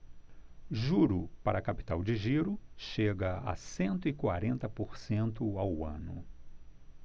juro para capital de giro chega a cento e quarenta por cento ao ano